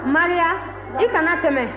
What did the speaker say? maria i kana tɛmɛ